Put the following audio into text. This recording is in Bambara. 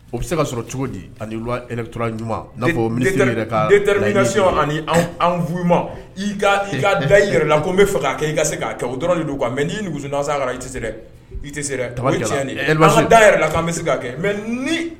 O bɛ se ka sɔrɔ cogo di ɲuman ka se ani ka da yɛrɛ la n bɛ faga kɛ i ka se k' kɛ o dɔrɔn de don mɛ n'isan i tɛ i tɛ cɛ da yɛrɛ la' bɛ se k' kɛ mɛ ni